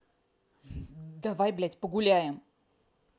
давай блядь погуляем